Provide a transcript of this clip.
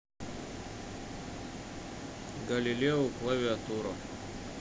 галилео клавиатура